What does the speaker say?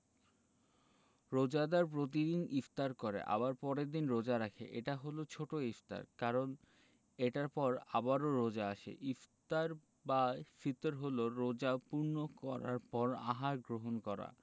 রোজাদার প্রতিদিন ইফতার করে আবার পরের দিন রোজা রাখে এটি হলো ছোট ইফতার কারণ এটার পর আবারও রোজা আসে ইফতার বা ফিতর হলো রোজা পূর্ণ করার পর আহার গ্রহণ করা